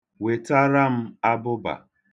Wetara m abụba.